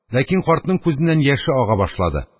Ләкин картның күзеннән яше ага башлады.